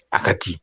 A kati